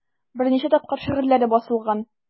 Берничә тапкыр шигырьләре басылган.